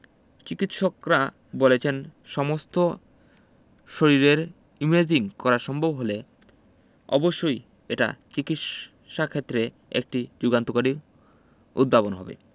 চিকিত্সকরা বলেছেন সমস্ত শরীরের ইমেজিং করা সম্ভব হলে অবশ্যই এটা চিকিত্সাক্ষেত্রে একটি যুগান্তকারী উদ্ভাবন হবে